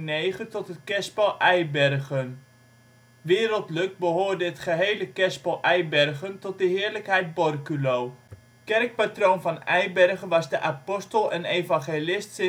1509 tot het kerspel Eibergen. Wereldlijk behoorde het gehele kerspel Eibergen tot de Heerlijkheid Borculo. Kerkpatroon van Eibergen was de apostel en evangelist